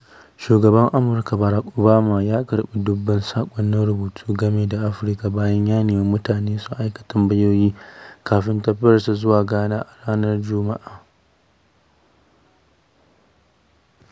Shugaban Amurka, Barack Obama, ya karɓi dubban saƙonnin rubutu game da Afirka bayan ya nemi mutane su aika tambayoyi kafin tafiyarsa zuwa Ghana a ranar Jumma’a.